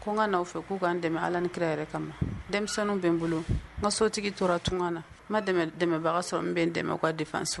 Ko ka n'a fɛ k'u ka dɛmɛ ala ni yɛrɛ kama denmisɛnninw bɛ n bolo n so tigi tora tun na n ma dɛmɛbaga sɔrɔ n bɛ n dɛmɛ ka defa so